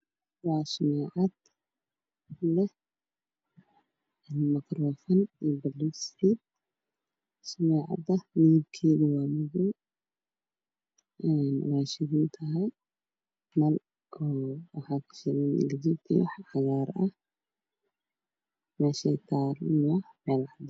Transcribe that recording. Waa sameecad leh makaroofan, sameecada madow ah waxaa kashidan nal gaduud iyo cagaar ah meesha ay taalana waa cadaan.